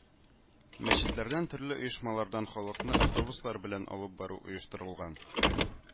Мәчетләрдән, төрле оешмалардан халыкны автобуслар белән алып бару оештырылган